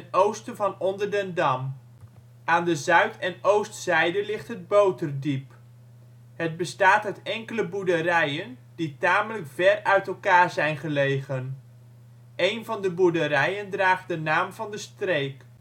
oosten van Onderdendam. Aan de zuid - en oostzijde ligt het Boterdiep. Het bestaat uit enkele boerderijen die tamelijk ver uit elkaar zijn gelegen. Een van de boerderijen draagt de naam van de streek